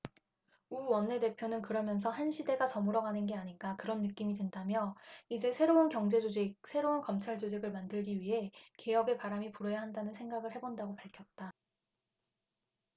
우 원내대표는 그러면서 한 시대가 저물어가는 게 아닌가 그런 느낌이 든다며 이제 새로운 경제조직 새로운 검찰조직을 만들기 위해 개혁의 바람이 불어야한다는 생각을 해 본다고 밝혔다